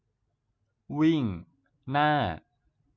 วิ่งหน้า